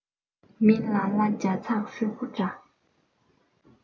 མི ལ ལ ཇ ཚག ཧྲུལ པོ འདྲ